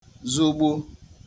zụgbu